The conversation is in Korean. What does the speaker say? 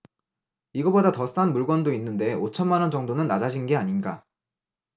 이거보다 더 싼 물건도 있는데 오 천만 원 정도는 낮아진 게 아닌가